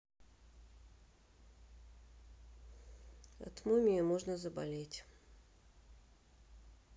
от мумии можно заболеть